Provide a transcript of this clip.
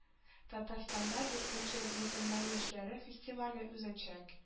Татарстанда дүртенче мөселман яшьләре фестивале узачак